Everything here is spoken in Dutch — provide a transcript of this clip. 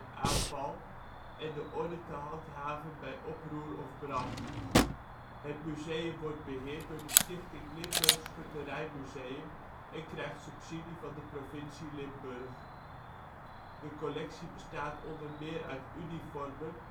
aanval en de orde te handhaven bij oproer of brand. Het museum wordt beheerd door de Stichting Limburgs Schutterij Museum en krijgt subsidie van de provincie Limburg. De collectie bestaat onder meer uit uniformen